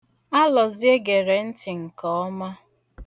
Alọzie gere ntị nke ọma.